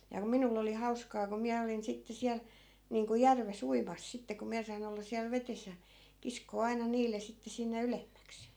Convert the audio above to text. ja kun minulla oli hauskaa kun minä olin sitten siellä niin kuin järvessä uimassa sitten kun minä sain olla siellä vedessä ja kiskoa aina niille sitten sinne ylemmäksi